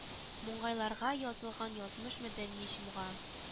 Маңгайларга язылган язмыш мәдәни җомга